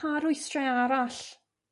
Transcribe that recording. Pa rwystrau arall